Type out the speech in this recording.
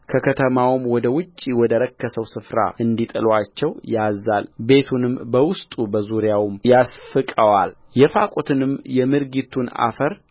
ከከተማውም ወደ ውጭ ወደ ረከሰው ስፍራ እንዲጥሉአቸው ያዝዛልቤቱንም በውስጡ በዙሪያው ያስፍቀዋል የፋቁትንም የምርጊቱን አፈር